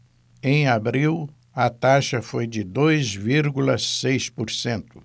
em abril a taxa foi de dois vírgula seis por cento